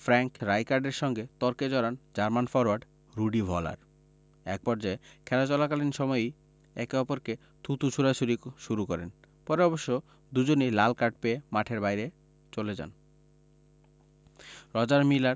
Frank রাইকার্ডের সঙ্গে তর্কে জড়ান জার্মান ফরোয়ার্ড রুডি ভলার একপর্যায়ে খেলা চলাকালীন সময়েই একে অপরকে থুতু ছোড়াছুড়ি শুরু করেন পরে অবশ্য দুজনই লাল কার্ড পেয়ে মাঠের বাইরে চলে যান রজার মিলার